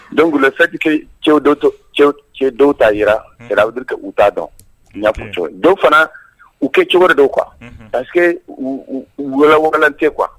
Donolola fɛnkike cɛw dɔw ta yi kabudu u t'a dɔn ɲac dɔw fana u kɛ cogo de dɔw qu pa wolo waralan tɛ qu kuwa